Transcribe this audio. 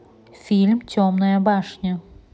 фильм темная башня